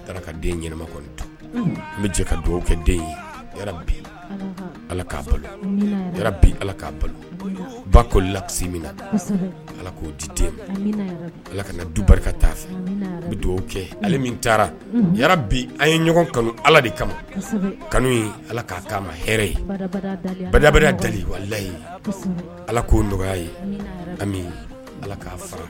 A taara ka den yɛlɛmama n bɛ jɛ ka dugawu kɛ den ye bi ala k'a balo bi ala k'a balo bako lakisi min na ala k'o di den ala ka na du barika t ta fɛ bɛ dugawu kɛ hali min taara bi a ye ɲɔgɔn kanu ala de kama kanu ye ala k'a taama hɛrɛɛ ye baruyariya deliliwalayi ala k'o nɔgɔya ye an ala k'a faga